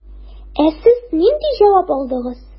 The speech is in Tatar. Ә сез нинди җавап алдыгыз?